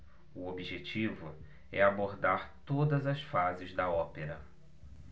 o objetivo é abordar todas as fases da ópera